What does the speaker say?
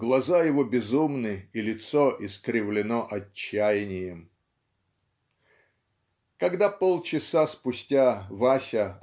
Глаза его безумны, и лицо искривлено отчаянием". Когда полчаса спустя Вася